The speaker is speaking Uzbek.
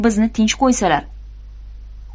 bizni tinch qo'ysalar